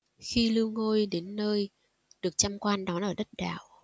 khi lưu ngôi đến nơi được trăm quan đón ở đất đạo